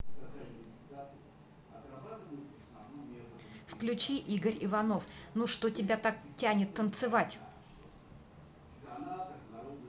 включи игорь иванов ну что тебя так тянет танцевать